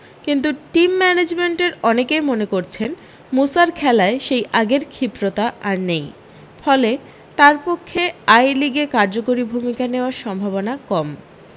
কিন্তু টিম ম্যানেজমেন্টের অনেকই মনে করছেন মুসার খেলায় সেই আগের ক্ষিপ্রতা আর নেই ফলে তার পক্ষে আই লিগে কার্যকরী ভূমিকা নেওয়ার সম্ভাবনা কম